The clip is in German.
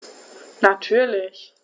Natürlich.